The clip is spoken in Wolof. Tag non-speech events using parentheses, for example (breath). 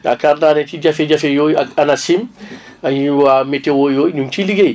yaakaar naa ne ci jafe-jafe yooyu ak ANACIM (breath) ay waa météo yooyu ñu ngi ciy liggéey